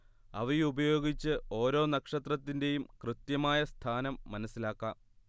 അവയുപയോഗിച്ച് ഒരോ നക്ഷത്രത്തിന്റെയും കൃത്യമായ സ്ഥാനം മനസ്സിലാക്കാം